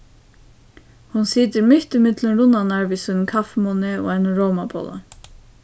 hon situr mitt ímillum runnarnar við sínum kaffimunni og einum rómabolla